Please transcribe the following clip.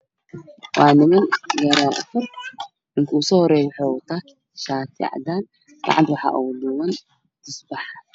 Waaniman yara fog ninka ugusoohoreeyo gacanta waxaa uguduuban tusbax